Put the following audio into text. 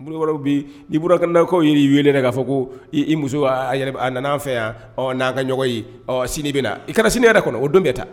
Waraww bi niikandakaw y'i weele'a fɔ ko i muso a fɛ yan n'an ka ɲɔgɔn ye sini bɛ na i kana sini yɛrɛ kɔnɔ o don bɛ taa